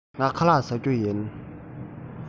ངས ཁ ལག བཟས མེད